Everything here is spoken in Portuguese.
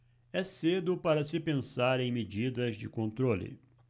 é cedo para se pensar em medidas de controle